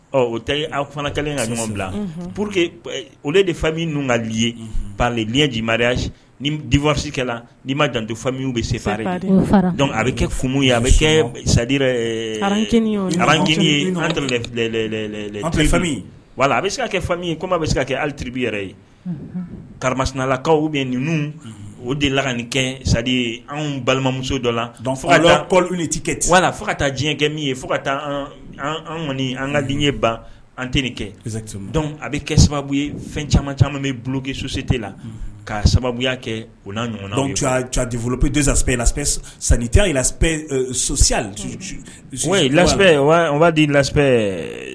Ɔ o tɛ fana kɛlen ka ɲuman bila pur que o de fabi ninnu kali ye nima ni difasikɛla la ni ma dantofamiw bɛ sefa a bɛ kɛ ye a bɛ kɛ sainincinin ye wala a bɛ se ka kɛ fami ye ko bɛ se ka kɛ ali tibi yɛrɛ ye karamasasinalakaw bɛ ninnu o de la ka nin kɛ sadi ye anw balimamuso dɔ la tɛ kɛ ten wala fo ka taa diɲɛ kɛ min ye fo ka taa kɔni an ka di ban an tɛ nin kɛ a bɛ kɛ sababu ye fɛn caman caman bɛ buke sososite la ka sababuya kɛ u n'a ɲɔgɔndiorolopdsansɛbɛyi sanni tɛya sososiya waati la